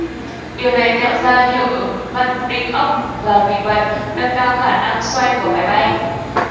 điều này tạo ra hiệu ứng vặn đinh ốc và vì vậy nâng cao khả năng xoay của máy bay